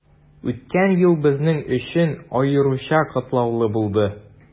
Үткән ел безнең өчен аеруча катлаулы булды.